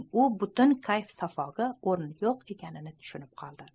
u bugun kayf safoga o'rin yo'q ekanini tushundi